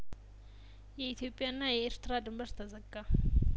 የኢትዮጵያ ና የኤርትራ ድንበር ተዘጋ